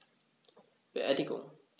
Beerdigung